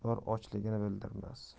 tulpor ochligini bildirmas